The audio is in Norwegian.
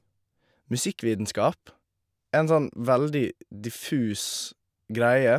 Musikkvitenskap er en sånn veldig diffus greie.